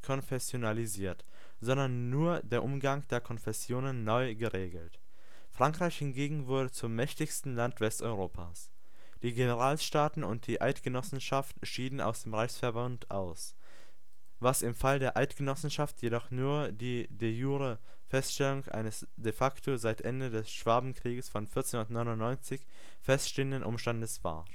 entkonfessionalisiert, sondern nur der Umgang der Konfessionen neu geregelt. Frankreich hingegen wurde zum mächtigsten Land Westeuropas. Die Generalsstaaten und die Eidgenossenschaft schieden aus dem Reichsverbund aus, was im Fall der Eidgenossenschaft jedoch nur die de jure Feststellung eines de facto seit Ende des Schwabenkrieges von 1499 feststehenden Umstandes war